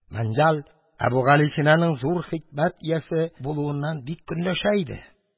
Мәнҗаль Әбүгалисинаның зур хикмәт иясе булуыннан бик көнләшә иде.